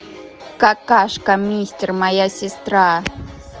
какашка мистер моя сестра